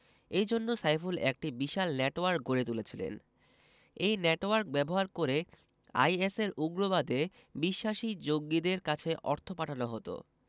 এ জন্য সাইফুল একটি বিশাল নেটওয়ার্ক গড়ে তুলেছিলেন এই নেটওয়ার্ক ব্যবহার করে আইএসের উগ্রবাদে বিশ্বাসী জঙ্গিদের কাছে অর্থ পাঠানো হতো